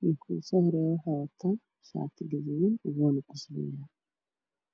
ninka ugu soo horeeyo waxuu wataa shaati gaduud wuuna kusawiran yahay.